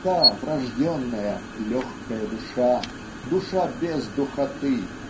та врожденная "легкая душа" душа без духоты